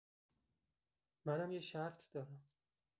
منم یه شرط دارم.